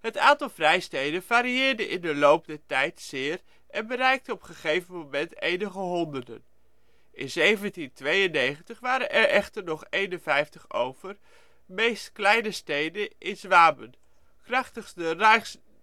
Het aantal vrijsteden varieerde in de loop der tijd zeer en bereikte op gegeven moment enige honderden. In 1792 waren er echter nog 51 over, meest kleine steden in Zwaben. Krachtens de Reichsdeputationshauptschluss werden